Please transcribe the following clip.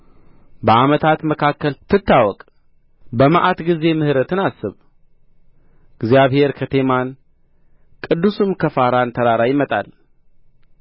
በዓመታት መካከል ትታወቅ በመዓት ጊዜ ምሕረትን አስብ እግዚአብሔር ከቴማን ቅዱሱም ከፋራን ተራራ ይመጣል